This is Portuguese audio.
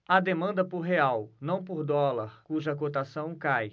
há demanda por real não por dólar cuja cotação cai